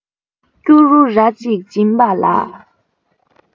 སྐྱུ རུ ར གཅིག བྱིན པ ལ